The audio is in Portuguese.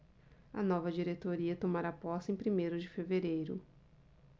a nova diretoria tomará posse em primeiro de fevereiro